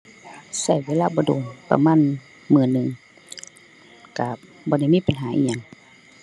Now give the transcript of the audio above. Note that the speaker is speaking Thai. ใช้เวลาบ่โดน ประมาณมื้อหนึ่ง ใช้บ่ได้มีปัญหาอิหยัง